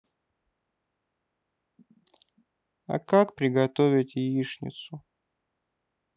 а как приготовить яичницу